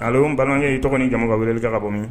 allo , n balimankɛ, i tɔgɔ ni jamu ka weleli kɛ, ka bɔ mi?